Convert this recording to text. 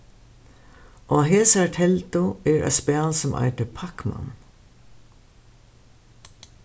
á hesari teldu er eitt spæl sum eitur pacman